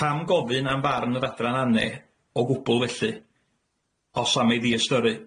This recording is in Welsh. Pam gofyn am farn yr adran ane o gwbl felly, os am ei ddiystyru?